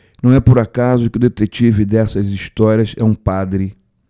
não é por acaso que o detetive dessas histórias é um padre